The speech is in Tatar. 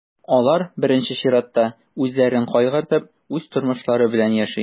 Алар, беренче чиратта, үзләрен кайгыртып, үз тормышлары белән яши.